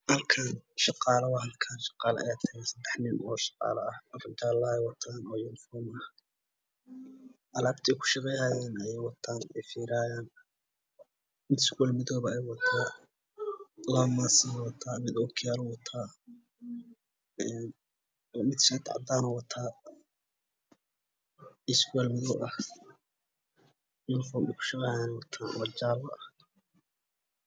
Halkaan shaqaale aya tagan shaqaale oo wado shar jaale wataan oo uniform ah alabtey ku shaqeynayan ayay watan fiirin hayan labo maas ayey wataan mid okiyalo wata mid shati cadan iyo surwaal madow ah wataan uniform ay gashanaan wa kalar jaale ah